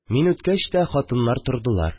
Мин үткәч тә, хатыннар тордылар